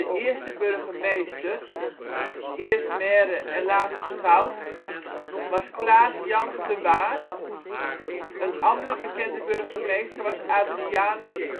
eerste burgemeester (eerst maire en later schout) was Klaas Jans de Waard (1811-1819). Een andere bekende burgemeester was Adrianus